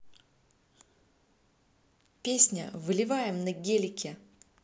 песня выливаем на гелике